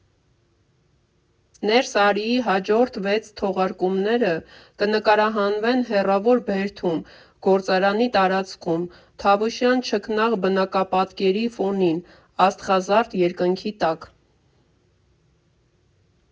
«Նե՛րս արի»֊ի հաջորդ վեց թողարկումները կնկարահանեն հեռավոր Բերդում՝ գործարանի տարածքում՝ տավուշյան չքնաղ բնապատկերի ֆոնին, աստղազարդ երկնքի տակ։